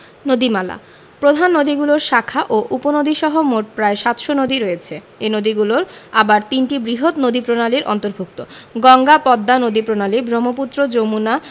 নদীমালাঃ প্রধান নদীগুলোর শাখা ও উপনদীসহ মোট প্রায় ৭০০ নদী রয়েছে এই নদীগুলো আবার তিনটি বৃহৎ নদীপ্রণালীর অন্তর্ভুক্ত গঙ্গা পদ্মা নদীপ্রণালী ব্রহ্মপুত্র যমুনা